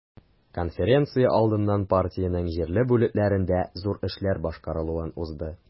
Конференция алдыннан партиянең җирле бүлекләрендә зур эшләр башкарылуын узды.